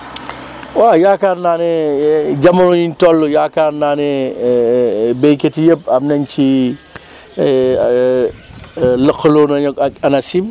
waaw yaakaar naa ne jamono yi ñu toll yaakaar naa ne béykat yëpp am nañ ci lëkkaloo nañu ak ANACIM